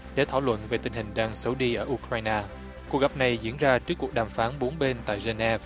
để thảo luận về tình hình đang xấu đi ở u cờ rai na cuộc gặp này diễn ra trước cuộc đàm phán bốn bên tại giơ ne vờ